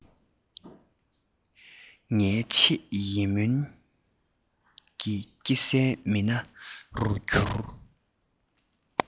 ངའི ཆེས ཡིད སྨོན སྐྱེ སའི མི སྣ རུ གྱུར